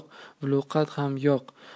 vluqad ham yo'q